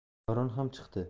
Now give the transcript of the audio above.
davron ham chiqdi